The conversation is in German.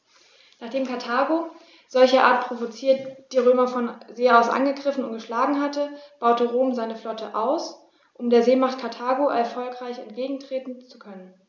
Nachdem Karthago, solcherart provoziert, die Römer von See aus angegriffen und geschlagen hatte, baute Rom seine Flotte aus, um der Seemacht Karthago erfolgreich entgegentreten zu können.